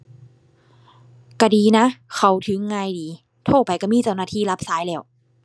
ก็ดีนะ เข้าถึงง่ายดี โทรไปก็มีเจ้าหน้าที่รับสายแล้ว